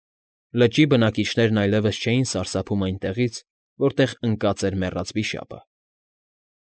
Լճի բնակիչներն այլևս չէին սարսափում այն տեղից, որտեղ ընկած էր մեռած վիշապը։